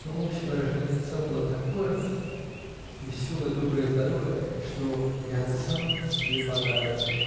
но общее выражение лица было такое веселое, доброе и здоровое, что я сам себе понравился.